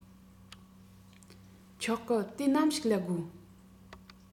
ཆོག གི དུས ནམ ཞིག ལ དགོས